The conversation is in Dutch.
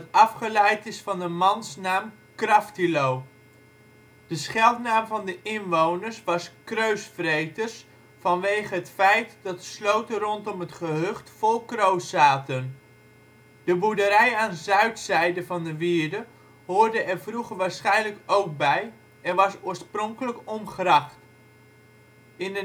afgeleid is van de mansnaam Kraftilo. De scheldnaam van de inwoners was Kreusvreters vanwege het feit dat de sloten rondom het gehucht vol kroos zaten. De boerderij aan zuidoostzijde van de wierde hoorde er vroeger waarschijnlijk ook bij en was oorspronkelijk omgracht. In